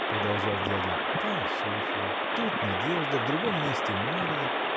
– продолжал дядя, – там Софья, тут Надежда, в другом месте Марья.